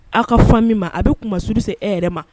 Aw ka fɔ min ma a bɛ kuma ma sdi se e yɛrɛ ma